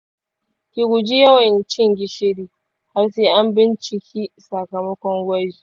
ki guji yawan cin gishiri har sai an binciki sakamakon gwaji.